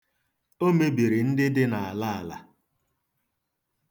O mebiri ndị dị n'alaala.